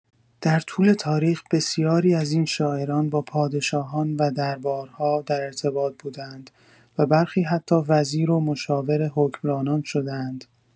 در طول تاریخ، بسیاری از این شاعران با پادشاهان و دربارها در ارتباط بوده‌اند و برخی حتی وزیر و مشاور حکمرانان شده‌اند.